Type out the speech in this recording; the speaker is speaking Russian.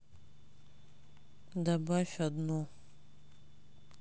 добавь одну